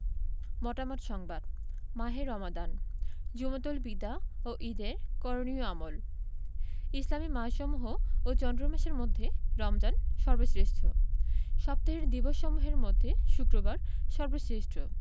মতামত সংবাদ মাহে রমাদান জুমাতুল বিদা ও ঈদের করণীয় আমল ইসলামি মাসসমূহ ও চন্দ্রমাসের মধ্যে রমজান সর্বশ্রেষ্ঠ সপ্তাহের দিবসসমূহের মধ্যে শুক্রবার সর্বশ্রেষ্ঠ